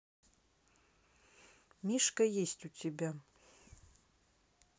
мишка есть у тебя